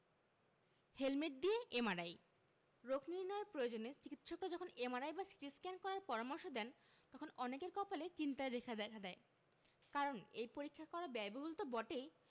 helmet দিয়ে MRI রোগ নির্নয়ের প্রয়োজনে চিকিত্সকরা যখন এমআরআই বা সিটিস্ক্যান করার পরামর্শ দেন তখন অনেকের কপালে চিন্তার রেখা দেখা দেয় কারণ এই পরীক্ষা করা ব্যয়বহুল তো বটেই